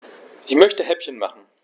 Ich möchte Häppchen machen.